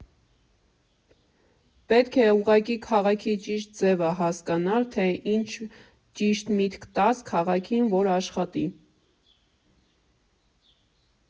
Պետք է ուղղակի քաղաքի ճիշտ ձևը հասկանալ, թե ինչ ճիշտ միտք տաս քաղաքին, որ աշխատի։